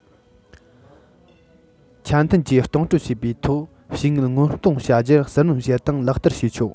ཆ འཐེན གྱིས གཏོང སྤྲོད བྱས པའི ཐོག ཞུགས དངུལ སྔོན གཏོང བྱ རྒྱུ ཟུར སྣོན བྱེད སྟངས ལག བསྟར བྱས ཆོག